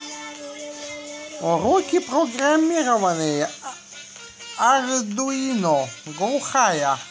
уроки программирования ардуино глухая